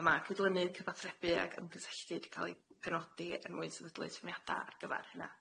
A ma' cydlynydd cyfathrebu ag ymgysylltu di ca'l eu penodi yn mwy sefydlu trefniada ar gyfar hyna.